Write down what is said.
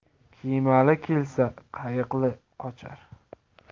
kemali kelsa qayiqli qochar